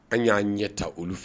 An y'an ɲɛ taa olu f